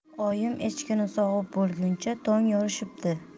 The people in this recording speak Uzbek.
oyim echkini sog'ib bo'lguncha tong yorishdi